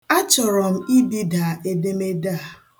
Achọrọ m ibida edemede a.